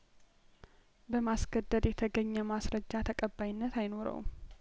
በማስገደድ የተገኘ ማስረጃ ተቀባይነት አይኖረውም